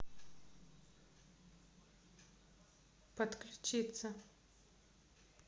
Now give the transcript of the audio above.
подключиться